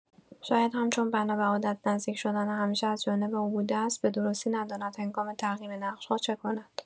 شاید هم چون بنا به عادت نزدیک‌شدن همیشه از جانب او بوده است، به‌درستی نداند هنگام تغییر نقش‌ها چه کند.